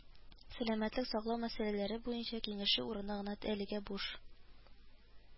Сәламәтлек саклау мәсьәләләре буенча киңәшче урыны гына әлегә буш